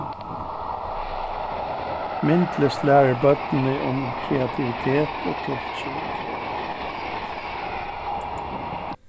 myndlist lærir børnini um kreativitet og tulking